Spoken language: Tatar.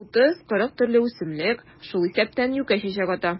30-40 төрле үсемлек, шул исәптән юкә чәчәк ата.